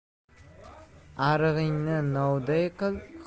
arig'ingni novday qil